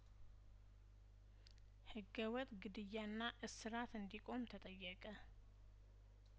ህገወጥ ግድያና እስራት እንዲቆም ተጠየቀ